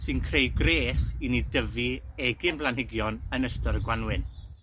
sy'n creu gres i ni dyfu egin blanhigion yn ystod y Gwanwyn.